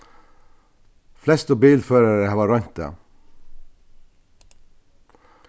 flestu bilførarar hava roynt tað